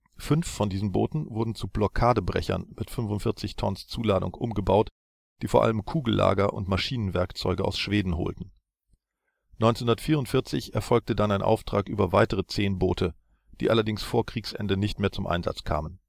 Fünf von diesen Booten wurden zu Blockadebrechern mit 45 tons Zuladung umgebaut, die vor allem Kugellager und Maschinenwerkzeuge aus Schweden holten. 1944 erfolgte dann ein Auftrag über weitere 10 Boote, die allerdings vor Kriegsende nicht mehr zum Einsatz kamen